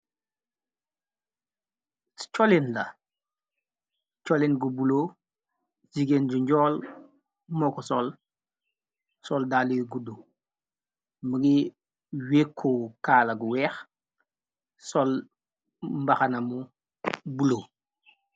Choolin la cholin gu bulo jigéen ju njool moo ko sol, sol daali guddu mugi wekkoo kaalagu weex sol mbaxanamu bulo.